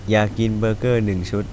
อยากกินเบอร์เกอร์หนึ่งชุด